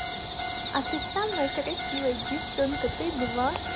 а ты самая красивая девчонка ты два